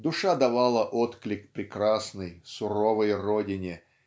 душа давала отклик прекрасной суровой родине